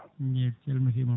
eyyi *